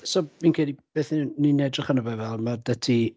so fi'n credu beth 'y ni'n edrych arno fel ma' 'da ti...